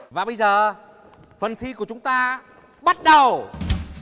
và bây giờ phần thi của chúng ta bắt đầu